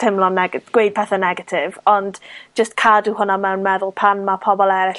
teimlo nega- gweud pathe negatif, ond, jyst cadw hwnna mewn meddwl pan ma' pobol eryll